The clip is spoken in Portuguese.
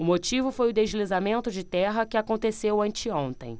o motivo foi o deslizamento de terra que aconteceu anteontem